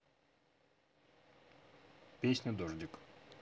песня дождик